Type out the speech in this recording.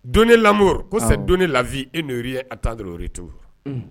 Don lamɔ ko don lafi eoye a tantere te